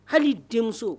Hali denmuso